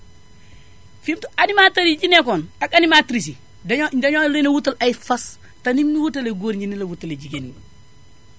fi mu animateurs yi ci nekkoon ak animatrices yi dañoo dañoo leen a wutal ay fas te ni ñu wutalee góor ñi noonu lañu wutalee jigéen ñi